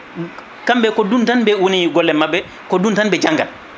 kamɓe ko ɗum tan ɓe woni golle mabɓe ko ɗum tan ɓe janggat